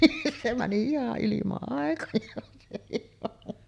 se meni ihan ilman aikojaan sekin raha